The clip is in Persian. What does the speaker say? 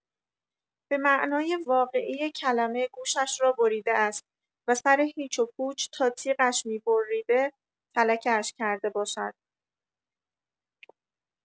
به معنای واقعی کلمه گوشش را بریده است و سر هیچ و پوچ تا تیغ‌اش می‌بریده تلکه‌اش کرده باشد.